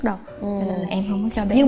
đâu cho nên là em không có cho bé